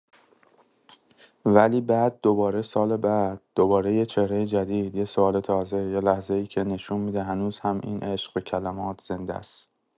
ولی بعد دوباره سال بعد، دوباره یه چهرۀ جدید، یه سوال تازه، یه لحظه‌ای که نشون می‌ده هنوز هم این عشق به کلمات زنده‌س.